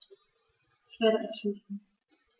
Ich werde es schließen.